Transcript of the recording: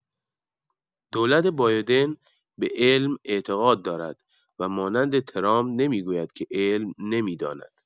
دولت بایدن به علم اعتقاد دارد و مانند ترامپ نمی‌گوید که علم نمی‌داند.